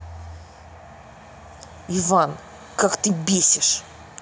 иван как ты бесишь